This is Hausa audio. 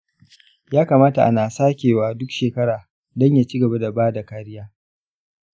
ya kamata ana sake wa duk shekara-dan ya cigaba da bada kariya